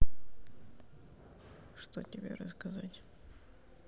что тебе рассказать